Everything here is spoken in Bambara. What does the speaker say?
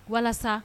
Walasa